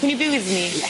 Can you be with me?